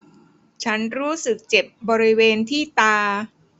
ฉันรู้สึกเจ็บบริเวณที่ตา